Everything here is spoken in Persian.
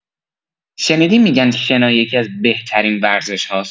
شنیدی می‌گن شنا یکی‌از بهترین ورزش‌هاست؟